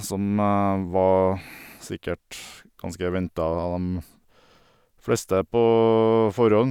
Som var sikkert ganske venta av dem fleste på forhånd.